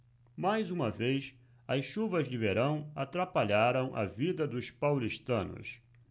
mais uma vez as chuvas de verão atrapalharam a vida dos paulistanos